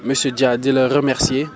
monsieur Dia di la remercié